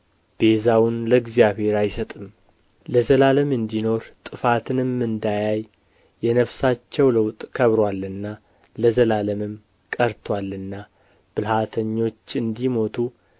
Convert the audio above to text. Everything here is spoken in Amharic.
ቤዛውን ለእግዚአብሔር አይሰጥም ለዘላለም እንዲኖር ጥፋትንም እንዳያይ የነፍሳቸው ለውጥ ከብሮአልና ለዘላለምም ቀርቶአልና ብልሃተኞች እንዲሞቱ